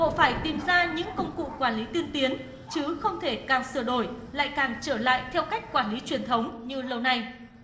buộc phải tìm ra những công cụ quản lý tiên tiến chứ không thể càng sửa đổi lại càng trở lại theo cách quản lý truyền thống như lâu nay